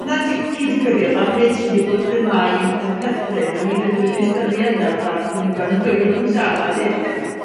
Wnna'n di- cyd-digwyddiad bach neis rili bod themâu yn perthyn, o'n i ddim wedi ystyried 'na o'r bla'n bo fi'n gweld y ddy o chi'n siarad 'eddi.